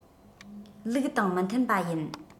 ལུགས དང མི མཐུན པ ཡིན